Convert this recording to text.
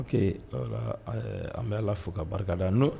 An bɛ fo ka barika la yan